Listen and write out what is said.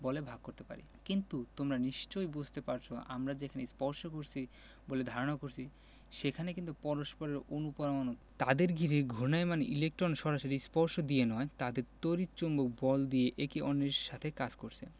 বলে ভাগ করতে পারি কিন্তু তোমরা নিশ্চয়ই বুঝতে পারছ আমরা যেখানে স্পর্শ করছি বলে ধারণা করছি সেখানে কিন্তু পরস্পরের অণু পরমাণু তাদের ঘিরে ঘূর্ণায়মান ইলেকট্রন সরাসরি স্পর্শ দিয়ে নয় তাদের তড়িৎ চৌম্বক বল দিয়ে একে অন্যের সাথে কাজ করছে